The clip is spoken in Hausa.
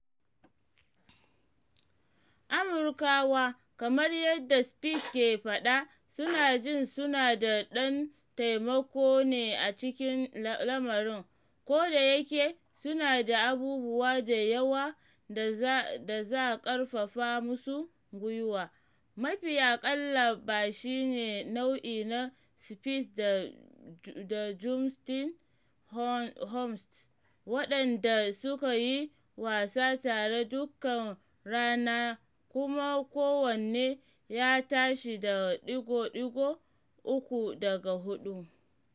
Amurkawa, kamar yadda Spieth ke faɗa, suna jin suna da ɗan taimako ne a cikin lamarin kodayake suna da abubuwa da yawa da za ƙarfafa musu gwiwa, mafi aƙalla ba shi ne nau’i na Spieth da Justin Thomas waɗanda suka yi wasa tare dukkan rana kuma kowanne ya tashi da ɗigo-ɗigo uku daga huɗu.